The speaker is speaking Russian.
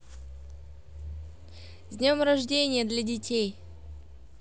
с днем рождения для детей